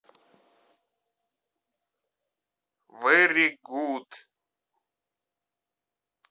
very good